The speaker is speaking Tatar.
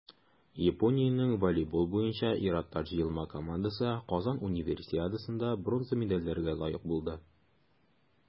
Япониянең волейбол буенча ир-атлар җыелма командасы Казан Универсиадасында бронза медальләргә лаек булды.